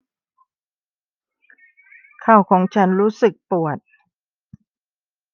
เข่าของฉันรู้สึกปวด